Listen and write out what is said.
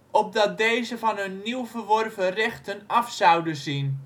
opdat deze van hun nieuw verworven rechten af zouden zien